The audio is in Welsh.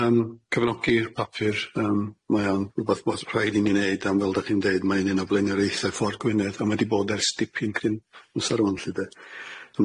Yym cyfnogi'r papur yym mae o'n rwbath both rhaid i ni neud am fel 'dach chi'n deud mae'n un o blaenoriaethau ffor Gwynedd a mae 'di bod ers dipyn cryn amsar rŵan 'lly 'de.